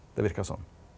det verkar sånn.